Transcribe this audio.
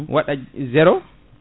waɗa zéro